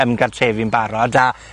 ymgartrefi'n barod a